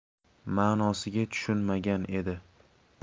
ma'nosiga tushunmagan edi